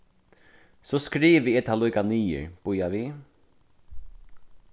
so skrivi eg tað líka niður bíða við